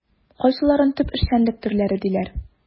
Кайсыларын төп эшчәнлек төрләре диләр?